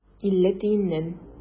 Илле тиеннән.